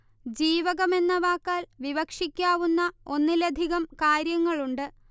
ജീവകം എന്ന വാക്കാൽ വിവക്ഷിക്കാവുന്ന ഒന്നിലധികം കാര്യങ്ങളുണ്ട്